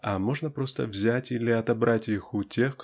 а можно просто взять или отобрать их у тех